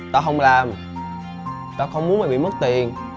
tao không làm tao không muốn mày bị mất tiền